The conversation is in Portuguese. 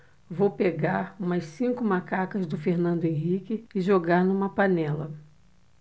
vou pegar umas cinco macacas do fernando henrique e jogar numa panela